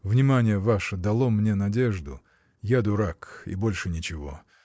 Внимание ваше дало мне надежду. Я дурак — и больше ничего.